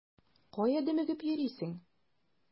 Кая дөмегеп йөрисең?